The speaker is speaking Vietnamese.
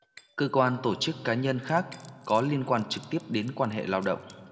cơ quan tổ chức cá nhân khác có liên quan trực tiếp đến quan hệ lao động